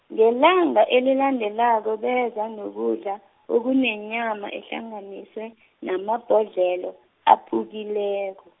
ngelanga elilandelako beza nokudla, okunenyama ehlanganiswe, namabhodlelo, aphukileko.